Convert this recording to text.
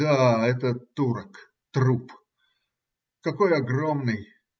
Да, это - турок, труп. Какой огромный!